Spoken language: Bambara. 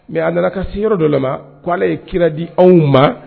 Mɛ a nana ka s yɔrɔ dɔ la k' ala ye kira di anw ma